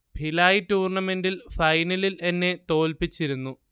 ഭിലായ് ടൂർണമെൻിൽ ഫൈനലിൽ എന്നെ തോൽപ്പിച്ചിരുന്നു